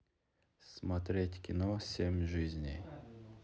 смотреть кино семь жизней